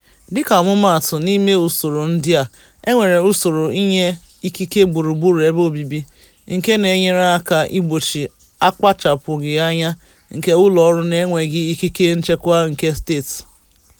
Dịka ọmụmaatụ, n'ime usoro ndị a, e nwere usoro inye ikike gburugburu ebe obibi, nke na-enyere aka igbochi akpachapụghị anya nke ụlọọrụ na enweghị ikike nchekwa nke Steeti.